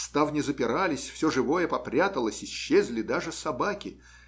Ставни запирались; все живое попряталось; исчезли даже собаки.